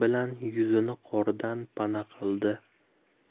bilan yuzini qordan pana qildi